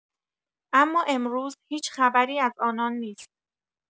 اما امروز هیچ خبری از آنان نیست.